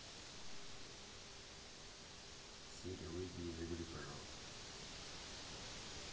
сири выйти из игры пожалуйста